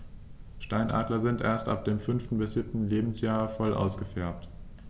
Steinadler sind erst ab dem 5. bis 7. Lebensjahr voll ausgefärbt.